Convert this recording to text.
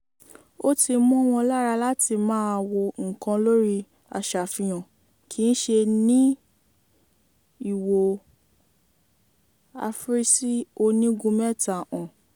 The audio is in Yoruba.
Ó ti mọ́ wọn lára láti máa wo nǹkan lórí aṣàfihàn, kìí ṣe ní ìwò-afìrísí-onígun-mẹ́ta-hàn.